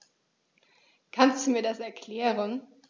Kannst du mir das erklären?